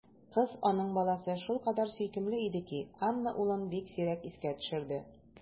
Кыз, аның баласы, шулкадәр сөйкемле иде ки, Анна улын бик сирәк искә төшерде.